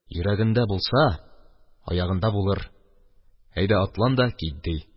Йөрәгендә булса, аягында булыр. Әйдә, атлан да кит», – ди